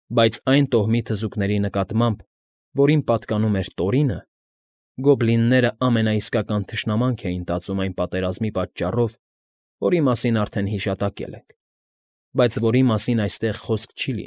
Բայց այն տոհմի թզուկների նկատմամբ, որին պատկանում էր Տորինը, գոբլինները ամենաիսկական թշնամանք էին տածում այն պատերազմի պատճառով, որի մասին արդեն հիշատակել ենք, բայց որի մասին այստեղ խոսք չի։